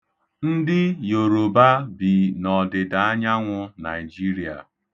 Ndị Yoroba bi n'ọdịdaanyanwụ Naịjiria.